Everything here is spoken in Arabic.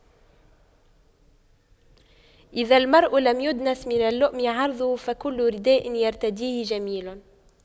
إذا المرء لم يدنس من اللؤم عرضه فكل رداء يرتديه جميل